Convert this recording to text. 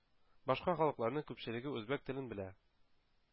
Башка халыкларның күпчелеге үзбәк телен белә.